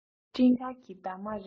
སྤྲིན དཀར གྱི འདབ མ རེད